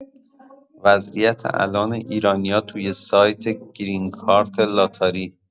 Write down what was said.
وضعیت الان ایرانیا توی سایت گرین کارت لاتاری